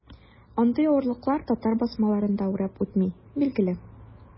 Андый авырлыклар татар басмаларын да урап үтми, билгеле.